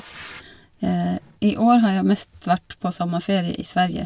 I år har jeg mest vært på sommerferie i Sverige.